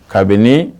Kabini